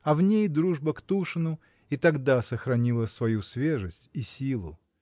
А в ней дружба к Тушину и тогда сохранила свою свежесть и силу.